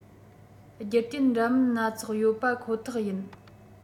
རྒྱུ རྐྱེན འདྲ མིན སྣ ཚོགས ཡོད པ ཁོ ཐག ཡིན